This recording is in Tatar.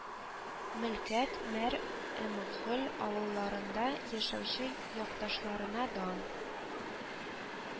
Мөлкәт, Мәр әмгөл авылларында яшәүче якташларына дан